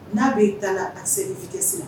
N'a b' i ta la a segin ii tɛsi